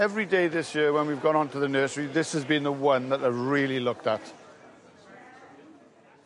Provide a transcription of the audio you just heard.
Every day this year when we've gone on to the nursery this has been the one that I've really looked at.